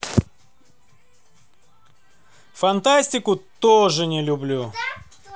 фантастику тоже не люблю